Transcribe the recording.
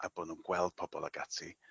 a bo' nw'n gweld pobol ag ati